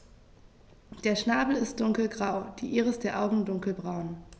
Der Schnabel ist dunkelgrau, die Iris der Augen dunkelbraun.